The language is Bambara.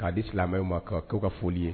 K kaa di silamɛmɛw ma' ka foli ye